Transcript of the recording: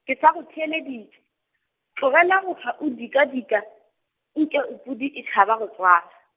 ke sa go theeleditše, tlogela go hlwa o dikadika, nke o pudi e tšhaba go tswala.